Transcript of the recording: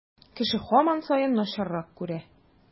Кеше һаман саен начаррак күрә.